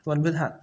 วันพฤหัส